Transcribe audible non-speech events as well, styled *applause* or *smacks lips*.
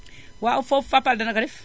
*smacks lips* waaw foofu Fapal dana ko def